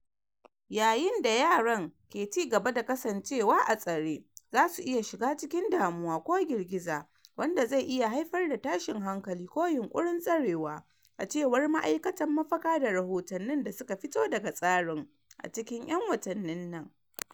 Yayin da yaran ke ci gaba da kasancewa a tsare, za su iya shiga cikin damuwa ko girgiza, wanda zai iya haifar da tashin hankali ko yunƙurin tserewa, a cewar ma'aikatan mafaka da rahotannin da suka fito daga tsarin a cikin 'yan watannin nan.